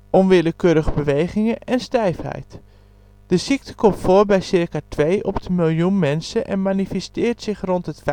onwillekeurige bewegingen en stijfheid. De ziekte komt voor bij ca 2 op de 1.000.000 mensen en manifesteert zich rond het